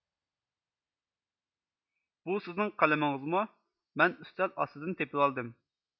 بۇ سىزنىڭ قەلىمىڭىزمۇ مەن ئۈستەل ئاستىدىن تېپىۋالدىم